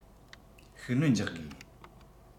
ཤུགས སྣོན རྒྱག དགོས